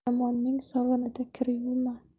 yomonning sovunida kir yuvma